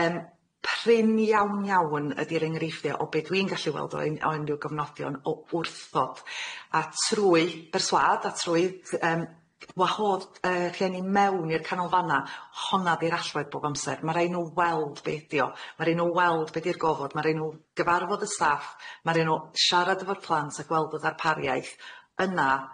Yym prin iawn iawn ydi'r engreiffie o be dwi'n gallu weld o un o unrhyw gofnodion o wrthod a trwy berswâd a trwy yym wahodd yy rhieni mewn i'r Canolfanna, honna 'di'r allwedd bob amser ma' raid n'w weld be' ydi o, ma' raid nhw weld be 'di'r gofod, ma' raid nhw gyfarfod y staff, ma' raid nhw siarad efo'r plant a gweld y ddarpariaeth yna.